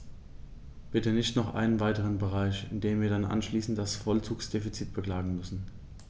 Bitte nicht noch einen weiteren Bereich, in dem wir dann anschließend das Vollzugsdefizit beklagen müssen.